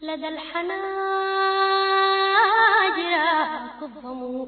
Tilegɛnin